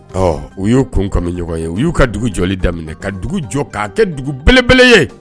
Ɔ u y' kunkanmiɲɔgɔn ye u y'u ka dugu jɔ daminɛ ka dugu jɔ k'a kɛ dugu belebele ye